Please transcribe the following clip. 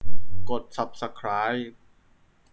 กดสับตะไคร้